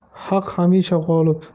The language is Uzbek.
haq hamisha g'olib